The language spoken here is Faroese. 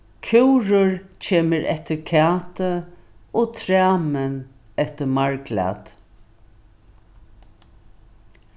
kúrur kemur eftir kæti og tramin eftir marglæti